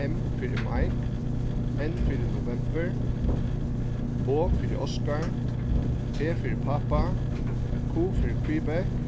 m fyri mike n fyri novembur o fyri oscar p fyri pápa q fyri quebec